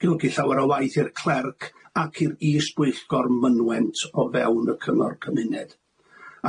golygu i llawer o waith i'r clerc ac i'r is-bwyllgor mynwent o fewn y cyngor cymuned.